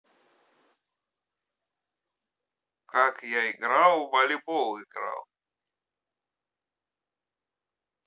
как я играл в волейбол играл